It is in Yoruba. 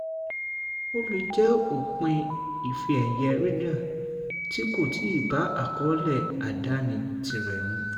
Ó le jẹ́ òpin Ìfe ẹ̀yẹ Ryder tí kò tìì bá àkọọ́lẹ̀ àdáni tirẹ̀ mu.